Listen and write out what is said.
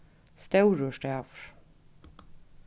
stórur stavur